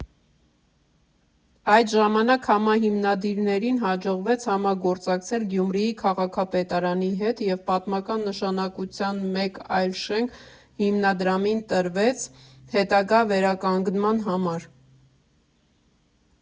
Այդ ժամանակ համահիմնադիրներին հաջողվեց համագործակցել Գյումրիի քաղաքապետարանի հետ և պատմական նշանակության մեկ այլ շենք հիմնադրամին տրվեց հետագա վերականգնման համար։